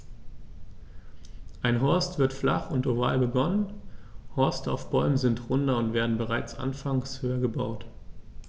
Ein Horst wird flach und oval begonnen, Horste auf Bäumen sind runder und werden bereits anfangs höher gebaut.